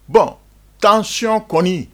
Bɔn kanc kɔni